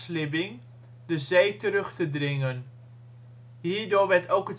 zee terug te dringen. Hierdoor werd ook